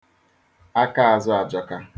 Akaazụ ajọka.